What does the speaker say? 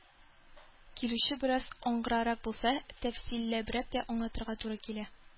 Килүче бераз аңгырарак булса, тәфсилләбрәк тә аңлатырга туры килә.